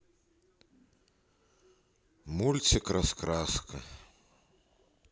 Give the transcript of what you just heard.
мультик раскраска